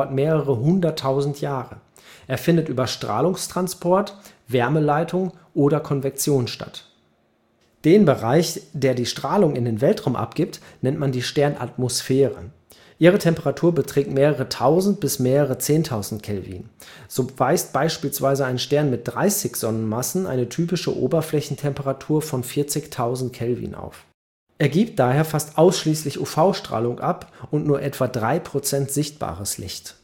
mehrere hunderttausend Jahre. Er findet über Strahlungstransport, Wärmeleitung oder Konvektion statt. Den Bereich, der die Strahlung in den Weltraum abgibt, nennt man die Sternatmosphäre. Ihre Temperatur beträgt mehrere tausend bis mehrere zehntausend Kelvin. So weist beispielsweise ein Stern mit 30 Sonnenmassen eine typische Oberflächentemperatur von 40.000 K auf. Er gibt daher fast ausschließlich UV-Strahlung ab und nur etwa 3 % sichtbares Licht